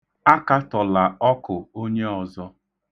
Akatọla ọkụ onye ọzọ.